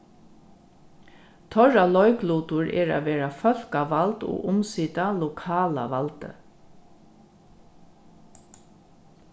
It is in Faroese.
teirra leiklutur er at vera fólkavald og umsita lokala valdið